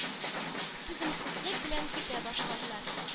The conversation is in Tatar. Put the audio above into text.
Түземсезлек белән көтә башладылар.